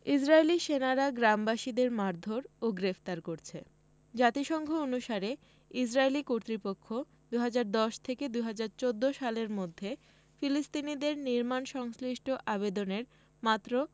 ইসরাইলী সেনারা গ্রামবাসীদের মারধোর ও গ্রেফতার করছে জাতিসংঘ অনুসারে ইসরাইলি কর্তৃপক্ষ ২০১০ থেকে ২০১৪ সালের মধ্যে ফিলিস্তিনিদের নির্মাণ সংশ্লিষ্ট আবেদনের মাত্র